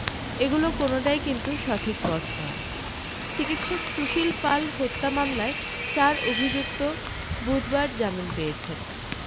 এগুলো কোনওটাই কিন্তু সঠিক পথ নয় চিকিৎসক সুশীল পাল হত্যা মামলায় চার অভি্যুক্ত বুধবার জামিন পেয়েছেন